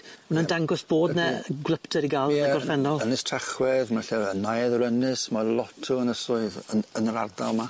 Ma' wnna'n dangos bod 'ny gwlypter i ga'l yn y gorffennol. Ynys Tachwedd, ma' lle yy Neuadd yr Ynys, ma' lot o ynysoedd yn yn yr ardal 'ma.